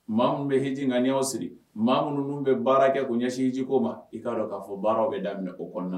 Maa mun bɛ heji ŋaniya siri, maa minnu bɛ baara kɛ ko ɲɛsin heji ko ma, i k'a dɔn k'a fɔ baaraw bɛ daminɛ o kɔnɔna